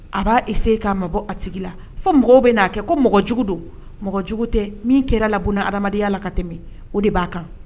A b'a se k'a mago a tigi la fo mɔgɔw bɛ'a kɛ ko mɔgɔjugu don mɔgɔjugu tɛ min kɛra labon adamadenya la ka tɛmɛ o de b'a kan